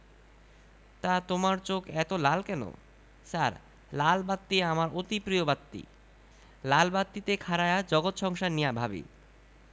তা তোমার চোখ এত লাল কেন ছার লাল বাত্তি আমার অতি প্রিয় বাত্তি লাল বাত্তি তে খাড়ায়া জগৎ সংসার নিয়া ভাবি